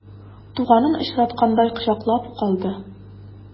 Туганын очраткандай кочаклап ук алды.